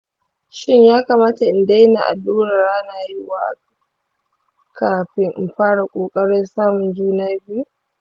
shin ya kamata in daina allurar hana haihuwa kafin in fara ƙoƙarin samun juna biyu?